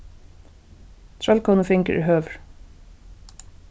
trøllkonufingur er høgur